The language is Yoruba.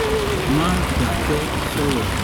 Má dakẹ́ – sọ̀rọ̀.